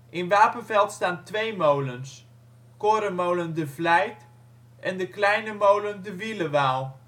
In Wapenveld staan twee molens: Korenmolen De Vlijt De kleine molen De Wielewaal